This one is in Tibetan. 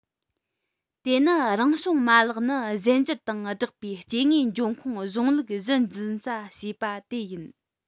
དེ ནི རང བྱུང མ ལག ནི གཞན འགྱུར དང སྦྲགས པའི སྐྱེ དངོས འབྱུང ཁུངས གཞུང ལུགས གཞི འཛིན ས བྱས པ དེ ཡིན